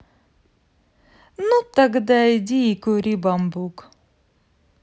ну тогда иди и кури бамбук